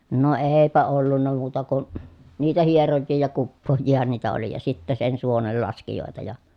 no eipä ollut muuta kuin niitä hierojia ja kuppaajiahan niitä oli ja sitten sen suonenlaskijoita ja